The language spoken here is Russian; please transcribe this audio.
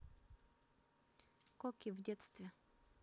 коки в детстве